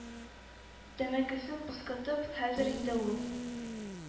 Тәмәкесен пыскытып, хәзер инде ул